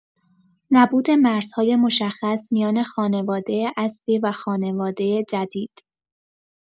نبود مرزهای مشخص میان خانواده اصلی و خانواده جدید